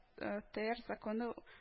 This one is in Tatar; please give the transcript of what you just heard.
ТээР Законы